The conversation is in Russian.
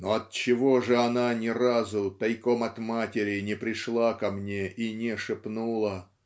но отчего же она ни разу тайком от матери не пришла ко мне и не шепнула